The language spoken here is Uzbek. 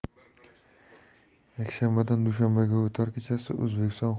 yshanbadan dushanbaga o'tar kechasi o'zbekiston